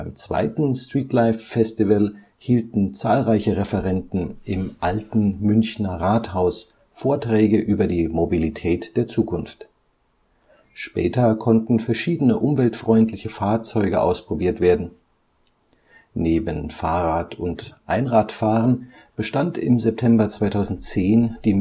zweiten Streetlife Festival hielten zahlreiche Referenten im Alten Münchner Rathaus Vorträge über die Mobilität der Zukunft. Später konnten verschiedene umweltfreundliche Fahrzeuge ausprobiert werden. Neben Fahrrad - oder Einradfahren bestand im September 2010 die